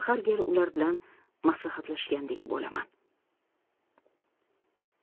har gal ular bilan maslahatlashgandek bo'laman